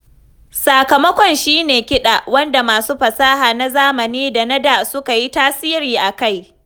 Sakamakon shi ne kiɗa, wanda masu fasaha na zamani da na da suka yi tasiri a kai.